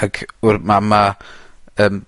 Ac wel ma' ma' yym